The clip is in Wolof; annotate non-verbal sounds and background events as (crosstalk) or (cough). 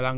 (hesitation) (hesitation)